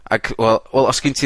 Ac wel wel os sgin ti